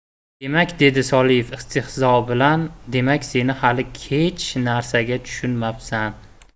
demak dedi soliev istehzo bilan demak sen hali hech narsaga tushunmabsan